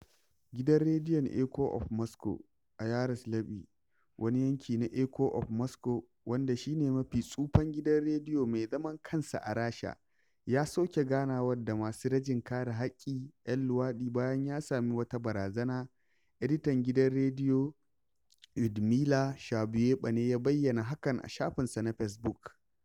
Gidan rediyon Eecho of Moscow a Yyaroslaɓi, wani yanki na Echo of Moscow, wanda shi ne mafi tsufan gidan rediyo mai zaman kansa a Rasha, ya soke ganawa da masu rajin kare haƙƙin 'yan luwaɗi bayan ya sami wata barazana, editan gidan rediyon, Lyudmila Shabuyeɓa ne ya bayyana hakan a shafinsa na Fesbuk: